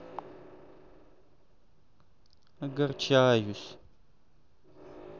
огорчаюсь